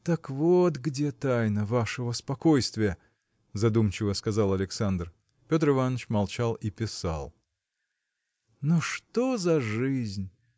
– Так вот где тайна вашего спокойствия! – задумчиво сказал Александр. Петр Иваныч молчал и писал. – Но что ж за жизнь!